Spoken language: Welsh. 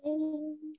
Ww!